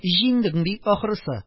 Җиңдең бит, ахрысы!.